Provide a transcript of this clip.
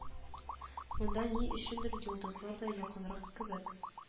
Монда ни өчендер йолдызлар да якынрак кебек